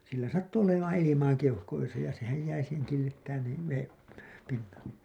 sillä sattui olemaan ilmaa keuhkoissa ja sehän jäi siihen killittämään niin veden pinnalle